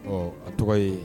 Ɔ a tɔgɔ ye